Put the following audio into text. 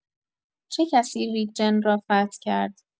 چه کسی ریگ‌جن را فتح کرد؟